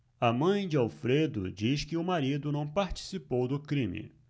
a mãe de alfredo diz que o marido não participou do crime